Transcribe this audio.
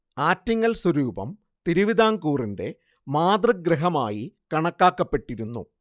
ആറ്റിങ്ങൽ സ്വരൂപം തിരുവിതാംകൂറിന്റെ മാതൃഗൃഹമായി കണക്കാക്കപ്പെട്ടിരുന്നു